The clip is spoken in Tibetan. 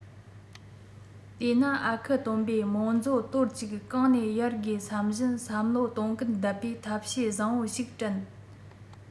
དེས ན ཨ ཁུ སྟོན པས རྨོན མཛོ དོར གཅིག གང ནས གཡར དགོས བསམ བཞིན བསམ བློ གཏོང གིན བསྡད པས ཐབས ཤེས བཟང པོ ཞིག དྲན